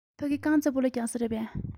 ཕ གི རྐང རྩེད སྤོ ལོ རྒྱག ས རེད པས